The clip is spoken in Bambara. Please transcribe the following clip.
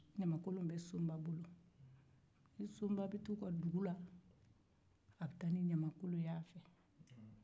ɲamankolon bɛ sunba bolo ni sunba bɛ taa u ka dugu la a bɛ taa ni ɲamankolon ye a fɛ